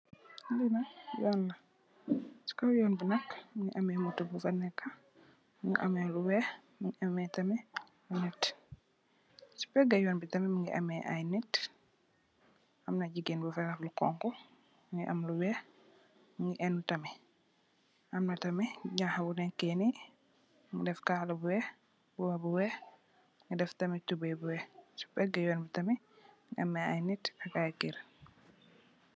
Li nak yoon la, ci kaw yoon bi nak mungi ame motto bufa nekka, mungi ame lu weex, mungi ame tamid ku nete. Ci pegga yoon bi tamid mungi ame ay nit amna jigeen bufa am lu xonxo, mungi am lu weex mungi enu tamid. Amna tamid janxa bu nekkee ni mu def kala bu weex, mboba bu weex, mu def tamid tubey bu weex. Ci peggu yoon bi tamid mungi ame ay nit ak ay keur.